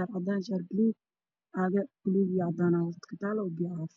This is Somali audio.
waxaa ka dambeeya niman